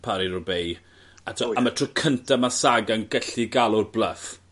Paris Roubaix a t'o' am y tro cynta ma' Sagan gellu galw'r bluff.